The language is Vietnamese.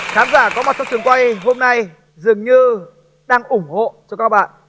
khán giả có mặt trong trường quay hôm nay dường như đang ủng hộ cho các bạn